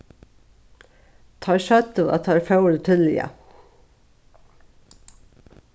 teir søgdu at teir fóru tíðliga